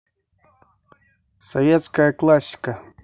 советская классика